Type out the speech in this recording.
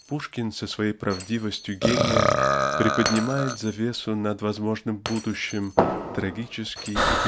Пушкин с своей правдивостью гения приподнимает завесу над возможным будущим трагически и.